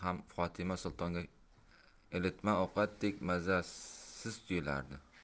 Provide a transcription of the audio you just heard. ham fotima sultonga ilitma ovqatdek mazasiz tuyulardi